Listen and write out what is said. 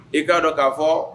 I'a dɔn k'a fɔ